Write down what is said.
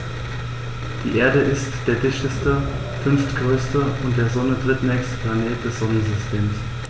Die Erde ist der dichteste, fünftgrößte und der Sonne drittnächste Planet des Sonnensystems.